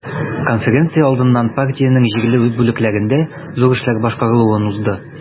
Конференция алдыннан партиянең җирле бүлекләрендә зур эшләр башкарылуын узды.